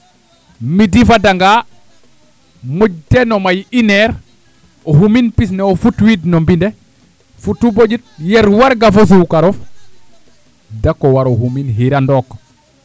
midi fadanga moƴ teen a may ineer u xumin pis ne wo futwiid no mbind ne futu boo ƴut yer warga fo sukarof dako waro xumin xirandook